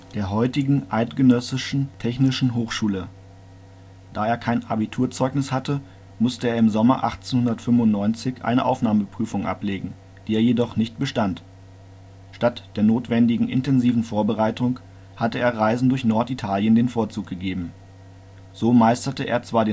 der heutigen Eidgenössischen Technischen Hochschule. Da er kein Abiturzeugnis hatte, musste er im Sommer 1895 eine Aufnahmeprüfung ablegen, die er jedoch nicht bestand. Statt der notwendigen intensiven Vorbereitung hatte er Reisen durch Norditalien den Vorzug gegeben. So meisterte er zwar